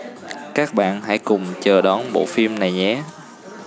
các bạn hãy cùng chờ đón bộ phim này nhé